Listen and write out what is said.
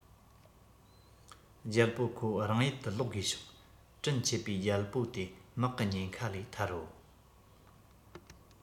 རྒྱལ པོ ཁོ རང ཡུལ དུ ལོག དགོས བྱུང དྲིན ཆི བའི རྒྱལ པོ དེ དམག གི ཉེན ཁ ལས ཐར རོ